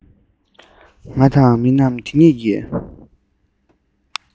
ང དང མི རྣམས དེ གཉིས ཀྱིས